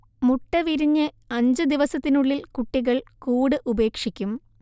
മുട്ട വിരിഞ്ഞ് അഞ്ചു ദിവസത്തിനുള്ളിൽ കുട്ടികൾ കൂട് ഉപേക്ഷിക്കും